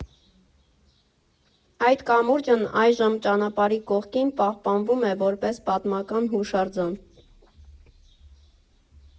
Այդ կամուրջն այժմ ճանապարհի կողքին պահպանվում է որպես պատմական հուշարձան։